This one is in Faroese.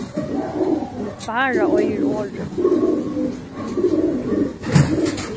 bára eigur orðið